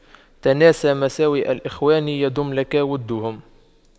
تناس مساوئ الإخوان يدم لك وُدُّهُمْ